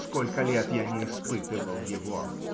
Сколько лет я не испытывал его!